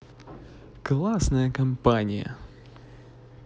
классная компания